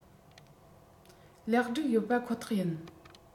ལེགས སྒྲིག ཡོད པ ཁོ ཐག ཡིན